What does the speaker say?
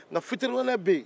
nka fitiriwaleya bɛ yen